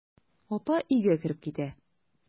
Апа өйгә кереп китә.